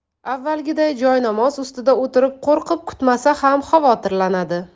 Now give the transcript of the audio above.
avvalgiday joynamoz ustida o'tirib qo'rqib kutmasa ham xavotirlanadi